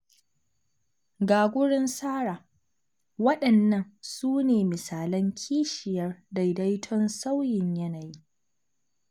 Ga gurin Sarah, waɗannan su ne misalan ''kishiyar daidaton sauyin yanayi''